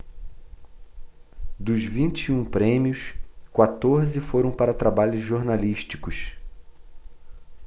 dos vinte e um prêmios quatorze foram para trabalhos jornalísticos